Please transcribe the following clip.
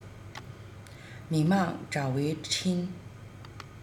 མི དམངས དྲ བའི འཕྲིན